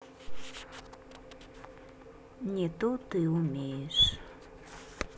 не то ты умеешь